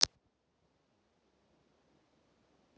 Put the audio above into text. фильм милый друг